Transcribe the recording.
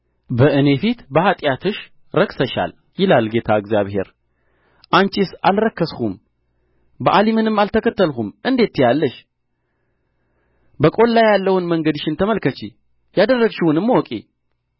በእኔ ፊት በኃጢአትሽ ረክሰሻል ይላል ጌታ እግዚአብሔር አንቺስ አልረከስሁም በአሊምንም አልተከተልሁም እንዴት ትያለሽ በቈላ ያለውን መንገድሽን ተመልከቺ ያደረግሽውንም እወቂ